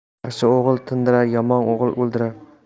yaxshi o'g'il tindirar yomon o'g'il o'ldirar